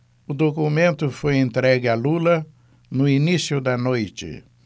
o documento foi entregue a lula no início da noite